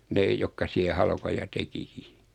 ne jotka siellä halkoja tekikin